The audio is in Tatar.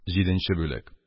Җиденче бүлек